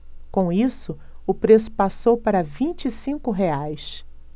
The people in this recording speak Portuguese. com isso o preço passou para vinte e cinco reais